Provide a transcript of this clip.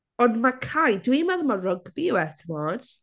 Ond mae Cai, dwi'n meddwl mae'n rygbi yw e tibod.